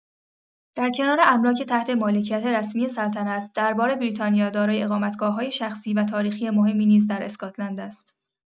در کنار املاک تحت مالکیت رسمی سلطنت، دربار بریتانیا دارای اقامتگاه‌های شخصی و تاریخی مهمی نیز در اسکاتلند است.